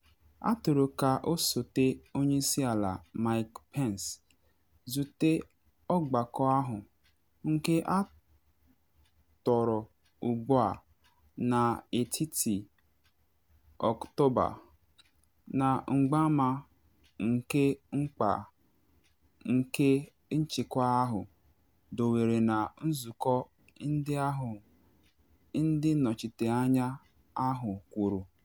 Atọrọ ka Osote Onye Isi Ala Mike Pence zute ọgbakọ ahụ, nke atọrọ ugbu a na etiti-Ọktoba, na mgbama nke mkpa nke nchịkwa ahụ dowere na nzụkọ ndị ahụ, ndị nnọchite anya ahụ kwuru.